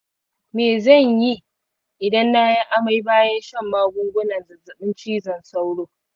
me zan yi idan na yi amai bayan shan magungunan zazzabin cizon sauro